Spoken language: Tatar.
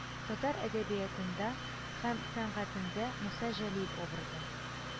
Татар әдәбиятында һәм сәнгатендә Муса Җәлил образы